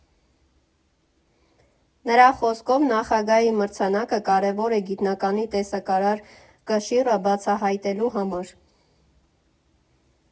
Նրա խոսքով, Նախագահի մրցանակը կարևոր է գիտնականի տեսակարար կշիռը բացահայտելու համար։